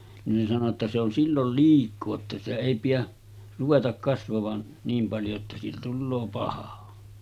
niin sanoi jotta se on silloin liikaa että sitä ei pidä ruveta kasvavan niin paljon että siitä tulee paha